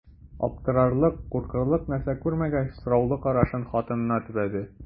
Аптырарлык, куркырлык нәрсә күрмәгәч, сораулы карашын хатынына төбәде.